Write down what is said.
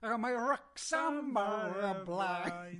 A mae Wrecsam ar y blaen.